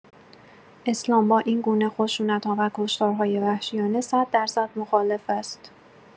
اسلام با این‌گونه خشونت‌ها و کشتارهای وحشیانه صددرصد مخالف است.